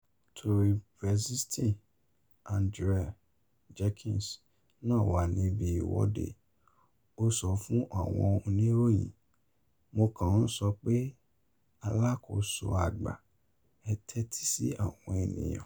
Tory Brexiteer Andrea Jenkyns náà wà níbi ìwọ́de, ó sọ fún àwọn oníròyìn: 'Mo kàn ń sọ pé: Alákòóso àgbà, ẹ tẹ́tí sí àwọn ènìyàn.